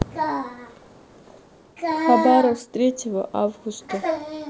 хабаровск третьего августа